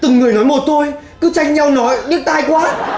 từng người nói một thôi cứ tranh nhau nói nhức tai quá